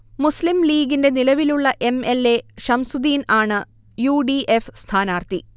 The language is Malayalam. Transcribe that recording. മുസ്ലിം ലീഗിന്റെ നിലവിലുള്ള എം. എൽ. എ. ഷംസുദീൻ ആണ് യൂ. ഡി. എഫ്. സ്ഥാനാർത്ഥി